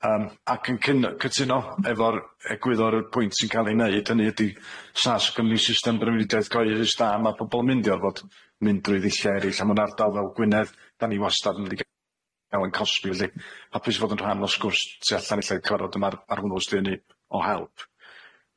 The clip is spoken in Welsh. Yym ac yn cyn- cytuno efo'r egwyddor y pwynt sy'n ca'l ei neud, hynny ydi sna synno ni system drafnidiaeth gyhoeddus da ma pobol yn mynd i orfod mynd drwy ddillie eryll a mewn ardal fel Gwynedd da ni wastad yn mynd i gael ein cosbi, felly hapus fod yn rhan o sgwrs tu allan ella i'r carod a ma'r arddangos di hynny o help.